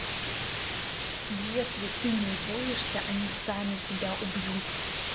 если ты не уволишься они сами себя убьют